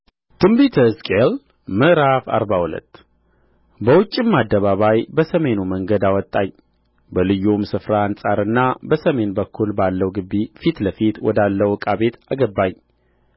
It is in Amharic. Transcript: በትንቢተ ሕዝቅኤል ምዕራፍ አርባ ሁለት በውጭም አደባባይ በሰሜኑ መንገድ አወጣኝ በልዩውም ስፍራ አንጻርና በሰሜን በኩል ባለው ግቢ ፊት ለፊት ወዳለው ዕቃ ቤት አገባኝ